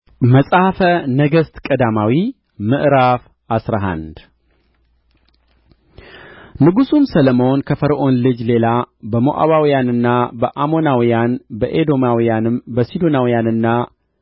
መጽሐፈ ነገሥት ቀዳማዊ ምዕራፍ አስራ አንድ ንጉሡም ሰሎሞን ከፈርዖን ልጅ ሌላ በሞዓባውያንና በአሞናውያን በኤዶማውያን በሲዶናውያንና